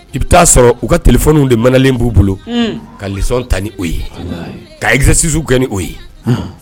I bɛ taa'a sɔrɔ u ka tfw de manalen b'u bolo ka lesɔnon tan ni' ye ka kizsisu kɛ ni' ye